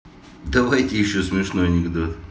давай еще смешной анекдот